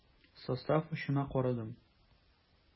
Состав очына карадым.